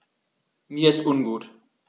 Mir ist ungut.